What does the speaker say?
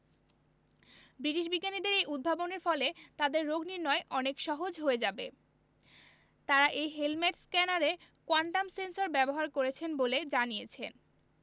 British বিজ্ঞানীদের এই উদ্ভাবনের ফলে তাদের রোগনির্নয় অনেক সহজ হয়ে যাবে তারা এই হেলমেট স্ক্যানারে কোয়ান্টাম সেন্সর ব্যবহার করেছেন বলে জানিয়েছেন